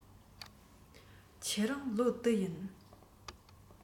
ཁྱེད རང ལོ དུ ཡིན